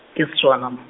ke Setswana m-.